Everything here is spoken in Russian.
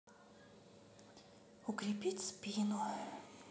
укрепить спину